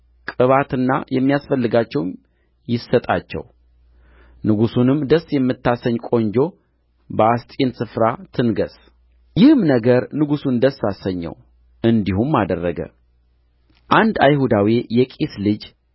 ቅባትና የሚያስፈልጋቸውም ይሰጣቸው ንጉሡንም ደስ የምታሰኝ ቆንጆ በአስጢን ስፍራ ትንገሥ ይህም ነገር ንጉሡን ደስ አሰኘው እንዲሁም አደረገ አንድ አይሁዳዊ የቂስ ልጅ